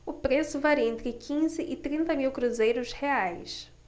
o preço varia entre quinze e trinta mil cruzeiros reais